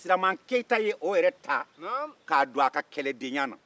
siraman keyita ye o yɛrɛ ta k'a don a ka kɛlɛdenya na